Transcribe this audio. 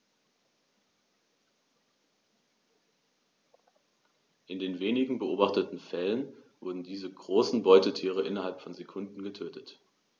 In den wenigen beobachteten Fällen wurden diese großen Beutetiere innerhalb von Sekunden getötet.